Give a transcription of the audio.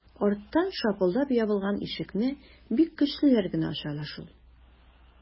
Арттан шапылдап ябылган ишекне бик көчлеләр генә ача ала шул...